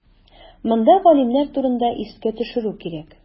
Монда галимнәр турында искә төшерү кирәк.